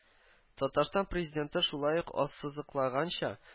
Татарстан Президенты шулай ук ассызыклаганча